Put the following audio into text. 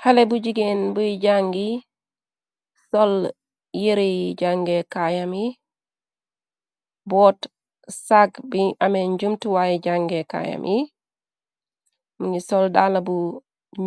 Xale bu jigéen buy jàngi sol yëre yi jànge kayam yi boot sagg bi ameen njumtuwaay jànge kaayam yi mni soldala bu